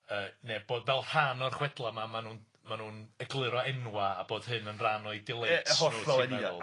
yy ne' bod fel rhan o'r chwedla 'ma, ma' nw'n ma' nw'n egluro enwa' a bod hyn yn rhan o'u deleit nw ti'n meddwl?